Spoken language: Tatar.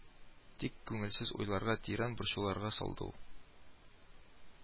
Тик күңелсез уйларга, тирән борчуларга салды ул